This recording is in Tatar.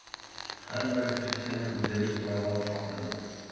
Һәрбер кешесен үзебез сайлап чакырдык.